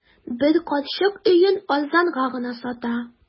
Бер карчык өен арзанга гына сата.